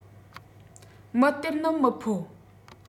མི སྟེར ནི མི ཕོད